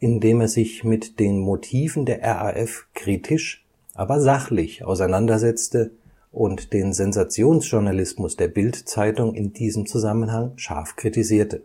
in dem er sich mit den Motiven der RAF kritisch, aber sachlich auseinandersetzte und den Sensationsjournalismus der Bild-Zeitung in diesem Zusammenhang scharf kritisierte